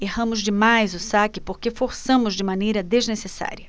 erramos demais o saque porque forçamos de maneira desnecessária